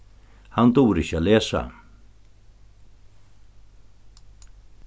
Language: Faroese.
hann dugir ikki at lesa